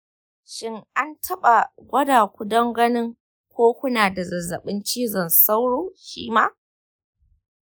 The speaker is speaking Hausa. shin an taɓa gwada ku don ganin ko kuna da zazzabin cizon sauro shi ma?